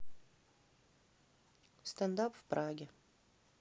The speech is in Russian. стендап в праге